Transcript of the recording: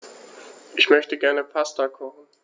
Ich möchte gerne Pasta kochen.